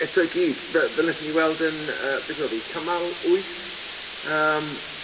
eto i gyd fe- fel nethon ni weld yn yy beth o'dd 'i cymal wyth yym